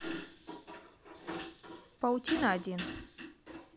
паутина один